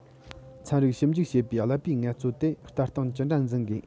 ཚན རིག ཞིབ འཇུག བྱེད པའི ཀླད པའི ངལ རྩོལ དེར ལྟ སྟངས ཅི འདྲ འཛིན དགོས